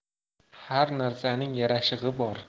har narsaning yarashig'i bor